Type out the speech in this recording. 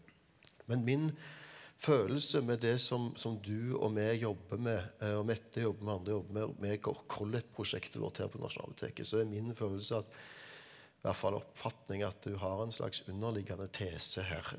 men min følelse med det som som du og vi jobber med og Mette jobber med og andre jobber med meg og Collett-prosjektet vårt her på Nasjonalbiblioteket så er min følelse at hvert fall oppfatning at du har en slags underliggende tese her,